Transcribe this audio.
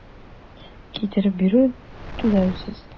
Китереп бирү - түләүсез.